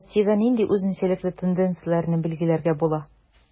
Ә Россиядә нинди үзенчәлекле тенденцияләрне билгеләргә була?